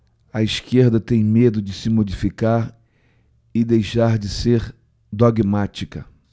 a esquerda tem medo de se modificar e deixar de ser dogmática